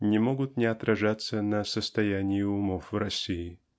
не могут не отражаться на состоянии умов в России.